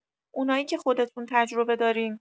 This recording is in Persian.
اونایی که خودتون تجربه دارین.